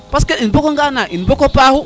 parce que o mbogana na i mbogo paaxu